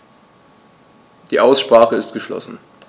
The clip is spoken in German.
Die Aussprache ist geschlossen.